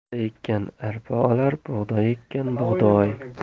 arpa ekkan arpa olar bug'doy ekkan bug'doy